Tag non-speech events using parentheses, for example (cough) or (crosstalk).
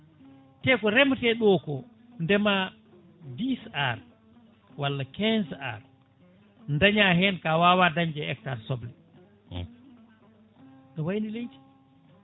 te ko remete ɗo ko ndeema 10 ar walla 15 ar daña hen kawawa dañde e hectares soble (smacks lips) ne wayno leydi